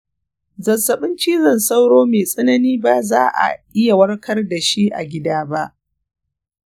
zazzabin cizon sauro mai tsanani ba za a iya warkar dashi a gida ba.